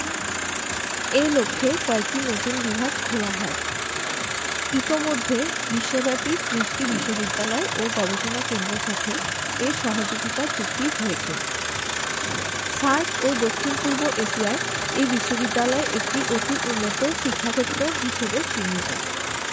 এ লক্ষ্যে কয়েকটি নতুন বিভাগ খোলা হয় ইতোমধ্যে বিশ্বব্যাপী ত্রিশটি বিশ্ববিদ্যালয় ও গবেষণা কেন্দ্রের সাথে এর সহযোগিতা চুক্তি হয়েছে SAARC ও দক্ষিণ পূর্ব এশিয়ায় এ বিশ্ববিদ্যালয় একটি অতি উন্নত শিক্ষাক্ষেত্র হিসেবে চিহ্নিত